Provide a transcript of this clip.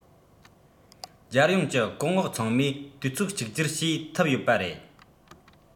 རྒྱལ ཡོངས ཀྱི གོང འོག ཚང མས དུས ཚོད གཅིག གྱུར བྱས ཐུབ ཡོད པ རེད